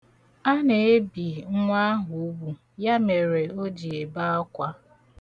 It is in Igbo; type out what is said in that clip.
Ana-ebi nwa ahụ ugwu ya mere o ji ebe akwa.